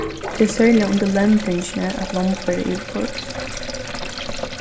tað er serliga undir lembingini at lomb verða yvirkoyrd